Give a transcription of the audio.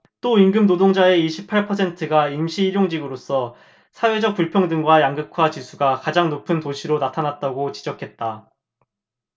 또 임금노동자의 이십 팔 퍼센트가 임시 일용직으로서 사회적 불평등과 양극화 지수가 가장 높은 도시로 나타났다 고 지적했다